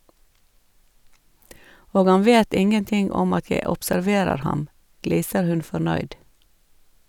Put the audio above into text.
Og han vet ingenting om at jeg observerer ham, gliser hun fornøyd.